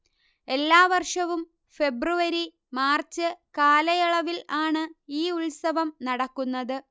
എല്ലാ വർഷവും ഫെബ്രുവരി മാർച്ച് കാലയളവിൽ ആണ് ഈ ഉത്സവം നടക്കുന്നത്